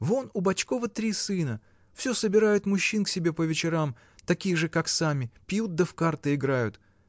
Вон у Бочкова три сына: всё собирают мужчин к себе по вечерам, таких же как сами, пьют да в карты играют.